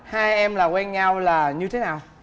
hai em là quen nhau là như thế nào